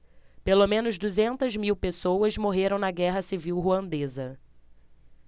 pelo menos duzentas mil pessoas morreram na guerra civil ruandesa